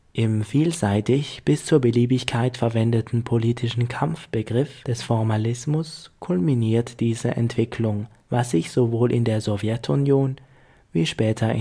Im vielfältig bis zur Beliebigkeit verwendeten politischen Kampfbegriff des Formalismus kulminiert diese Entwicklung, was sich sowohl in der Sowjetunion wie später